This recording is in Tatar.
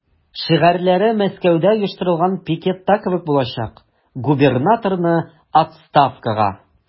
Шигарьләре Мәскәүдә оештырылган пикетта кебек булачак: "Губернаторны– отставкага!"